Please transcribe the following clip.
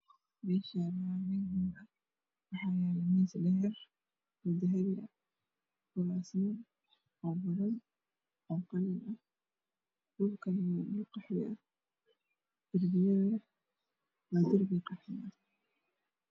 Meshani waxaa yala miis dheer oo dahabiya kuras dhulkuna waa qaxwi